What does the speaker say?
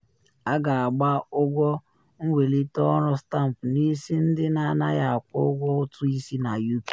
A ga-agba ụgwọ mwelite ọrụ stampụ n’isi ndị na anaghị akwụ ụgwọ ụtụ isi na UK